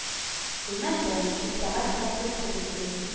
Бүлмә тын, тик сәгать кенә келт-келт йөри